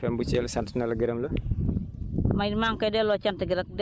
jërëjëf Penda Ndiaye rajo Jabi jula FM bu Thiel sant na la gërëm la